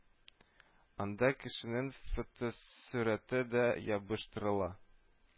Анда кешенең фотосурәте дә ябыштырыла